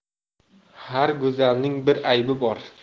har go'zalning bir aybi bor